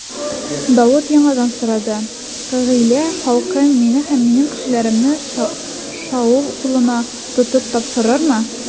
Давыт яңадан сорады: Кыгыйлә халкы мине һәм минем кешеләремне Шаул кулына тотып тапшырырмы?